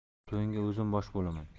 to'yingga o'zim bosh bo'laman